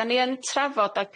Da ni yn trafod ag